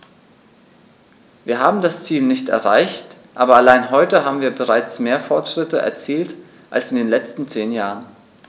Wir haben das Ziel nicht erreicht, aber allein heute haben wir bereits mehr Fortschritte erzielt als in den letzten zehn Jahren.